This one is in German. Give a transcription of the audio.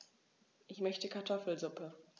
Ich möchte Kartoffelsuppe.